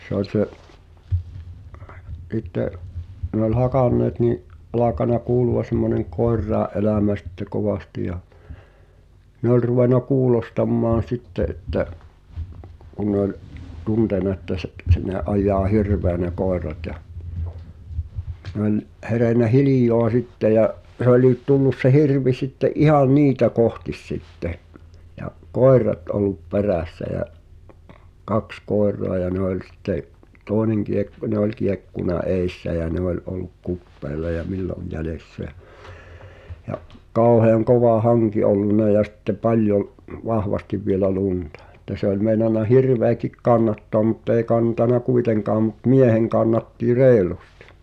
se oli se sitten ne oli hakanneet niin alkanut kuulua semmoinen koirien elämä sitten kovasti ja ne oli ruvennut kuulostamaan sitten että kun ne oli tuntenut että se - se ne ajaa hirveä ne koirat ja ne oli herännyt hiljaa sitten ja se olikin tullut se hirvi sitten ihan niitä kohti sitten ja koirat ollut perässä ja kaksi koiraa ja ne oli sitten toinen - ne oli kiekkunut edessä ja ne oli ollut kupeella ja milloin jäljessä ja ja kauhean kova hanki ollut ja sitten paljon vahvasti vielä lunta että se oli meinannut hirveäkin kannattaa mutta ei kantanut kuitenkaan mutta miehen kannatti reilusti